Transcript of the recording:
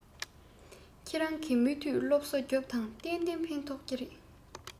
ཁྱེད རང གིས མུ མཐུད སློབ གསོ རྒྱོབས དང གཏན གཏན ཕན ཐོགས ཀྱི རེད